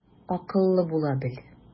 Акыллы була бел.